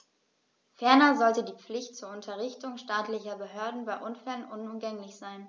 Ferner sollte die Pflicht zur Unterrichtung staatlicher Behörden bei Unfällen unumgänglich sein.